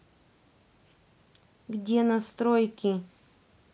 где настройки